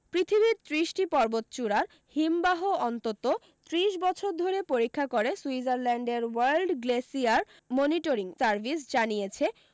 পৃথিবীর ত্রিশটি পর্বতচূড়ার হিমবাহ অন্তত ত্রিশ বছর ধরে পরীক্ষা করে সুইজারল্যান্ডের ওয়ার্ল্ড গ্লেসিয়ার মনিটরিং সার্ভিস জানিয়েছে